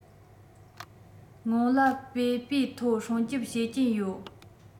སྔོན ལ དཔེ པོས ཐོ སྲུང སྐྱོབ བྱེད ཀྱིན ཡོད